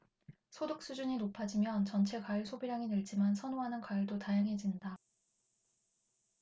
소득 수준이 높아지면 전체 과일 소비량이 늘지만 선호하는 과일도 다양해진다